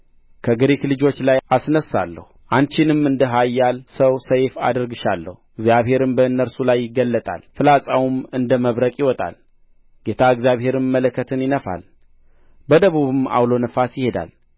በግሪክ ልጆች ላይ አስነሣለሁ አንቺንም እንደ ኃያል ሰው ሰይፍ አደርግሻለሁ እግዚአብሔርም በእነርሱ ላይ ይገለጣል ፍላጻውም እንደ መብረቅ ይወጣል ጌታ እግዚአብሔርም መለከትን ይነፋል በደቡብም ዐውሎ ነፋስ ይሄዳል